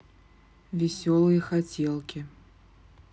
веселые хотелки